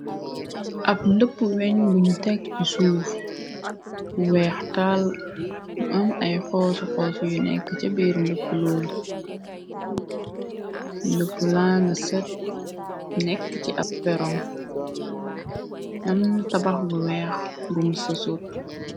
ab ndëpp weñ buñu teg ci suuf bu weex taal mu am ay xoosu xoos yu nekk ca biiru ndëpp lool ndëpp laanga sët nekk ci ab perom nam tabax bu weex bu mu sa sout